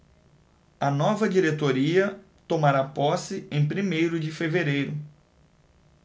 a nova diretoria tomará posse em primeiro de fevereiro